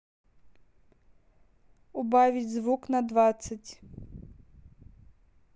убавить звук на двадцать